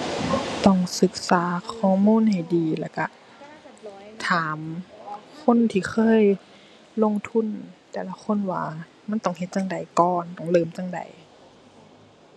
ต้องศึกษาข้อมูลให้ดี แล้วก็ถามคนที่เคยลงทุนแต่ละคนว่ามันต้องเฮ็ดจั่งใดก่อน ต้องเริ่มจั่งใด